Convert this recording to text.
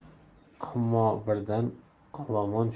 ammo birdan olomon